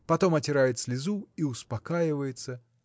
потом отирает слезу и успокаивается.